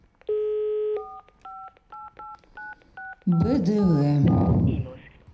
б д в